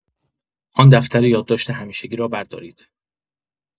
آن دفتر یادداشت همیشگی را بردارید.